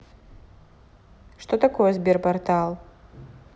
что такое sberportal